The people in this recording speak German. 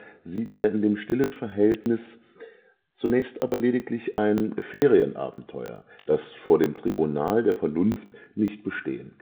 sieht er in dem „ stillen Verhältnisse “zunächst aber lediglich „ ein Ferienabenteuer, das vor dem Tribunal der Vernunft (… nicht bestehen